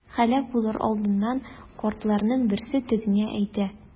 Һәлак булыр алдыннан картларның берсе тегеңә әйтә.